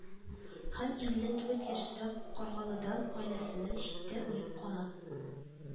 Һәм илле дүрт яшендә каргалыдан, гаиләсеннән читтә үлеп кала